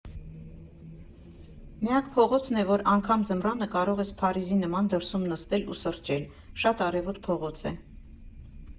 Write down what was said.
Միակ փողոցն է, որ անգամ ձմռանը կարող ես Փարիզի նման դրսում նստել ու սրճել, շատ արևոտ փողոց է։